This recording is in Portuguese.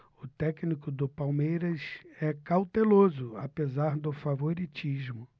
o técnico do palmeiras é cauteloso apesar do favoritismo